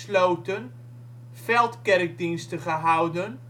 sloten " veld-kerkdiensten " gehouden